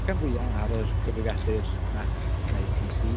Gan fwyaf ar yr cyfrifiadur Mac neu PC.